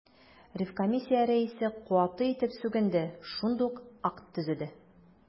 Ревкомиссия рәисе каты итеп сүгенде, шундук акт төзеде.